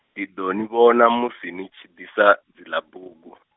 ndi ḓo ni vhona musi ni tshi ḓisa, dzila bugu.